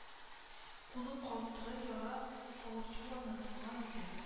Кулы калтырый яра авыртуы онытылган иде